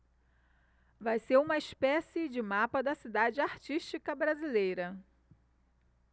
vai ser uma espécie de mapa da cidade artística brasileira